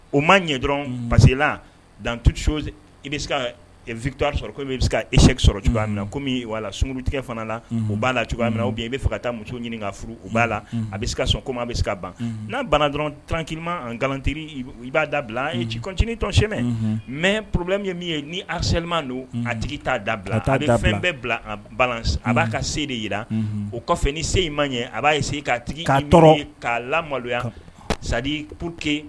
O ma ɲɛ dɔrɔn parcela dan tu i bɛ ka v sɔrɔ kɔmi bɛ ese sɔrɔ cogoya kɔmi sunkuru tigɛ fana la u b'a la cogoya min na u bi yen i bɛ fɛ ka taa muso ɲini ka furu u b'a la a bɛ se ka so ko a bɛ se ka ban n'an bana dɔrɔn tankima an nkalon i b'a da bila an ye ciɔncinintɔn sɛmɛ mɛ porobilɛ ye min ye ni alisalilima don a tigi t'a da bila a fɛn bɛɛ bila a a'a ka se de jira o kɔfɛ ni se in man ɲɛ a b'a ye se ka k'a k'a la maloya sa porourke